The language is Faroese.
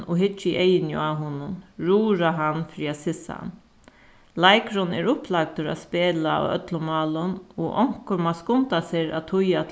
og hyggja í eyguni á honum rura hann fyri at sissa hann leikurin er upplagdur at spæla á øllum málum og onkur má skunda sær at týða